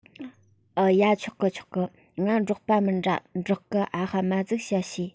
ཡ ཆོག གི ཆོག གི ང འབྲོག པ མིན དྲ འབྲོག སྐད ཨ ཧ མ ཟིག བཤད ཤེས